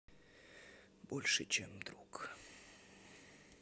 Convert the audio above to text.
больше чем друг